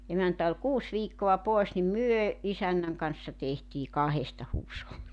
emäntä oli kuusi viikkoa pois niin me isännän kanssa tehtiin kahdesta huusholli